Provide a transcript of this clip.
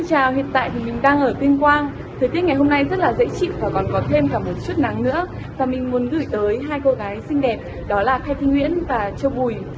chào hiện tại mình đang ở tuyên quang thời tiết ngày hôm nay rất là dễ chịu mà còn có thêm một chút nắng nữa và mình muốn gửi tới hai cô gái xinh đẹp đó là thanh nguyễn và châu bùi